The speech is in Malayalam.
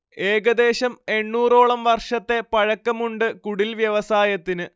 ഏകദേശം എണ്ണൂറോളം വർഷത്തെ പഴക്കമുണ്ട് കുടിൽവ്യവസായത്തിന്